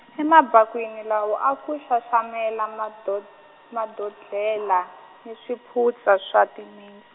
emabakweni lawa a ku xaxamele mabo- mabodlela ni swiputsa swa timints-